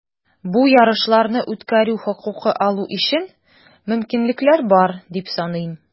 Бу ярышларны үткәрү хокукы алу өчен мөмкинлекләр бар, дип саныйм.